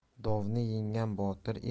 dovni yenggan botir